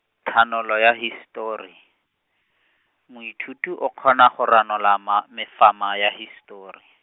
thanolo ya hisetori, moithuti o kgona go ranola ma- mefama ya hisetori.